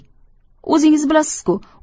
o'zingiz bilasizki